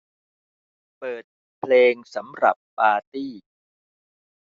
เปิดเพลงสำหรับปาร์ตี้